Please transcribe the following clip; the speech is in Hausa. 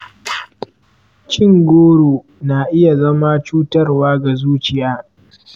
cin goro na iya zama cutarwa ga zuciya?